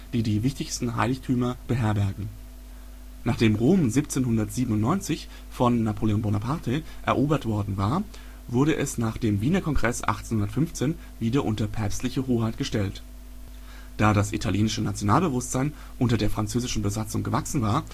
die die wichtigsten Heiligtümer beherbergen. Nachdem Rom 1797 von Napoleon Bonaparte erobert worden war, wurde es nach dem Wiener Kongress 1815 wieder unter päpstliche Hoheit gestellt. Da das italienische Nationalbewusstsein unter der französischen Besatzung gewachsen war